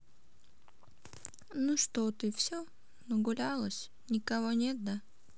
ну что ты все нагулялась никого нет да